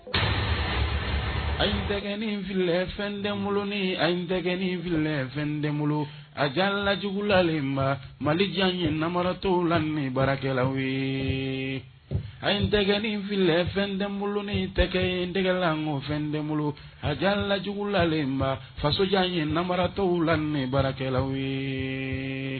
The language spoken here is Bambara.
A in dɛ ni fili fɛn denin a tɛ fili fɛn den bolo a jalajugulalen inba malijan ye nara tɔww la ni baarakɛla ye a ye n tɛ nin fili fɛn den bolo ni tɛgɛ n tɛgɛlan nkɔ fɛn den bolo a ja lajugulalenba fasojan ye nara tɔw la ni baarakɛla ye